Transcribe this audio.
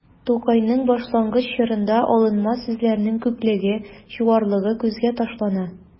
Тукайның башлангыч чорында алынма сүзләрнең күплеге, чуарлыгы күзгә ташлана.